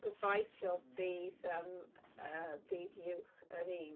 Gobeithio bydd yym yy bydd uwch yr un.